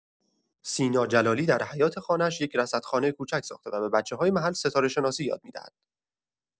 سینا جلالی، در حیاط خانه‌اش یک رصدخانه کوچک ساخته و به بچه‌های محل ستاره‌شناسی یاد می‌دهد.